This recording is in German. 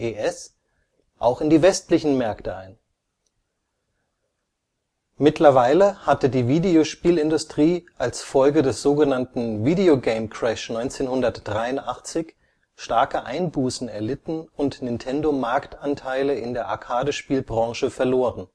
NES) auch in die westlichen Märkte ein. Mittlerweile hatten die Videospielindustrie als Folge des sogenannten „ Video Game Crash 1983 “starke Einbußen erlitten und Nintendo Marktanteile in der Arcadespiel-Branche verloren